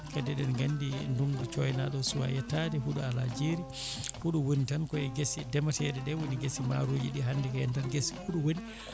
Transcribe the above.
kadi eɗen gandi ndungu coynaɗo o suwa yettade huuɗo ala jeeri huuɗo woni tan koye guese demateɗe ɗe woni guese maaroji ɗi hande koye nder guese huuɗo woni